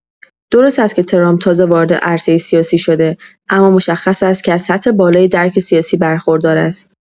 درست است که ترامپ تازه‌وارد عرصه سیاسی شده، اما مشخص است که از سطح بالای درک سیاسی برخوردار است.